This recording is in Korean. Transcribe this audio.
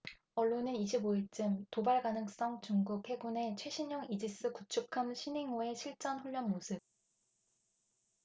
언론은 이십 오 일쯤 도발 가능성중국 해군의 최신형 이지스 구축함 시닝호의 실전훈련 모습